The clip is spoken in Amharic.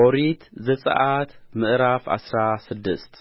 ኦሪት ዘጽአት ምዕራፍ አስራ ስድስት